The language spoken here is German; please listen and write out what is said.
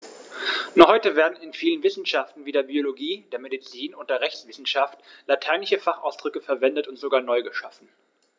Noch heute werden in vielen Wissenschaften wie der Biologie, der Medizin und der Rechtswissenschaft lateinische Fachausdrücke verwendet und sogar neu geschaffen.